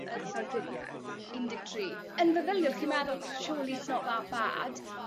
y llawdrinieth? Un deg tri. Yn feddyliol chi'n meddwl ma; surely it's not that bad